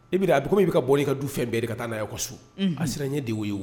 I bɛna a ko min bɛ ka bɔ i ka du fɛn bɛɛ de ka taa' ka so a siran n ɲɛ de o ye o wa